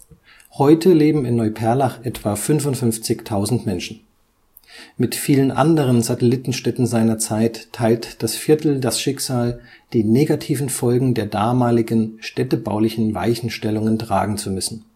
Heute leben in Neuperlach etwa 55.000 Menschen. Mit vielen anderen Satellitenstädten seiner Zeit teilt das Viertel das Schicksal, die negativen Folgen der damaligen städtebaulichen Weichenstellungen tragen zu müssen